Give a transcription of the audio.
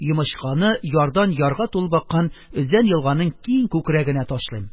Йомычканы ярдан ярга тулып аккан өзән елганың киң күкрәгенә ташлыйм.